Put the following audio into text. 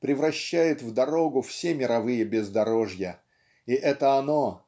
превращает в дорогу все мировые бездорожья и это оно